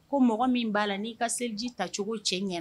Ko mɔgɔ min b'a la n'i ka seliji tacogo cɛ ɲɛna